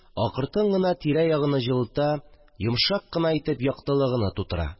Акыртын гына тирә-ягыны җылыта, йомшак кына итеп яктылыгыны тутыра